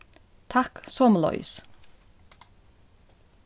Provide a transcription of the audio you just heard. takk somuleiðis